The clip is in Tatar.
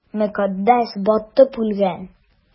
Мөкаддәс батып үлгән!